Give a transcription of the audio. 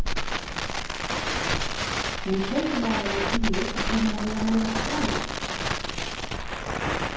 mín koyrilærari sigur at eg má vera meira tolin